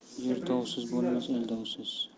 yer tovsiz bo'lmas el dovsiz